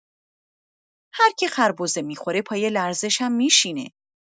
هرکی خربزه می‌خوره پای لرزش هم می‌شینه.